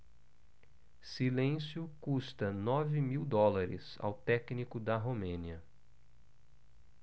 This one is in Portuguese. silêncio custa nove mil dólares ao técnico da romênia